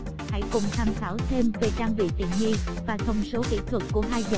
hãy cùng tham khảo thêm về trang bị tiện nghi và thông số kỹ thuật của dòng xe này nhé